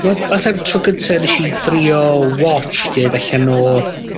modd... Falla'r tro cynta drio wo tsh deud allan o